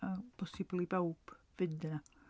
Yn bosibl i bawb fynd yna.